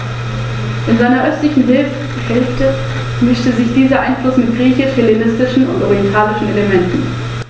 Je nach Dauer der Nutzung werden die Horste ständig erweitert, ergänzt und repariert, so dass über Jahre hinweg mächtige, nicht selten mehr als zwei Meter in Höhe und Breite messende Horste entstehen.